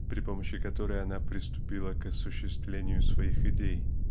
при помощи которой она приступила к осуществлению своих идей.